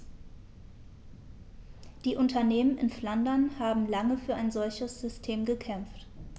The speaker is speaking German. Die Unternehmen in Flandern haben lange für ein solches System gekämpft.